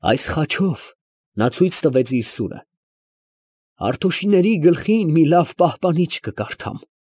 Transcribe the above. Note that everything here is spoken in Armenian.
Այս խաչով (նա ցույց տվեց իր սուրը) Հարտոշիների գլխին մի լավ «պահպանիչ» կկարդամ։ ֊